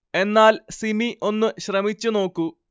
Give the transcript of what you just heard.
എന്നാൽ സിമി ഒന്നു ശ്രമിച്ചു നോക്കൂ